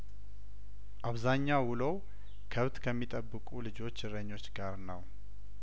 አብዛኛው ውሎው ከብት ከሚጠብቁ ልጆች እረኞች ጋር ነው